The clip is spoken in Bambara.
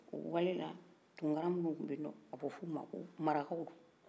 o waati la tounkara minun tun bɛye a bɛ f'u ma k'o marakaw